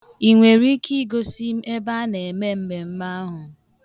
I nwere ike igosi me ebe a na-eme mmemme ahụ?